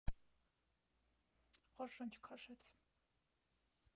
Խոր շունչ քաշեց։